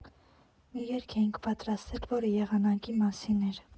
Մի երգ էինք պատրաստել, որը եղանակի մասին էր։